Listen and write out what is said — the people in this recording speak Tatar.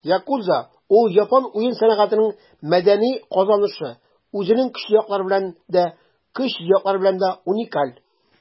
Yakuza - ул япон уен сәнәгатенең мәдәни казанышы, үзенең көчле яклары белән дә, көчсез яклары белән дә уникаль.